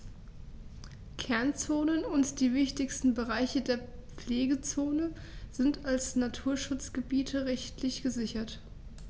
Kernzonen und die wichtigsten Bereiche der Pflegezone sind als Naturschutzgebiete rechtlich gesichert.